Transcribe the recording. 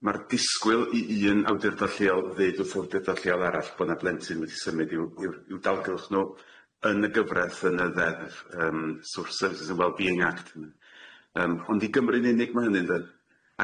ma'r disgwyl i un awdurdod lleol ddeud wrth awdurdod lleol arall bo' 'na blentyn wedi symud i'w i'w i'w dalgylch nhw yn y gyfraith yn y ddeddf yym Social Sevices and Well-being Act yym ond i Gymru'n unig ma' hynny ynde?